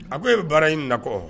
A ko e bɛ baara in nakɔ